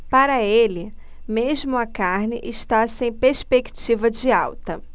para ele mesmo a carne está sem perspectiva de alta